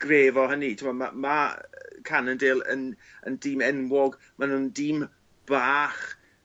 gref o hynny t'mo' ma' ma' yy Cannondale yn yn dîm enwog. Ma' nw'n dîm bach